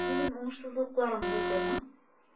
Минем уңышсызлыкларым булдымы?